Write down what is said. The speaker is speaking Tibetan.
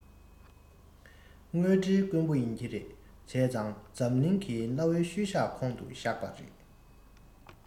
དངོས འབྲེལ དཀོན པོ ཡིན གྱི རེད བྱས ཙང འཛམ གླིང གི གནའ བོའི ཤུལ བཞག ཁོངས སུ བཞག པ རེད